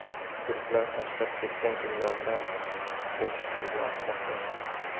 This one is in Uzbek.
turklar tashlab ketgan uylarga kirishibdi u ahmoqlar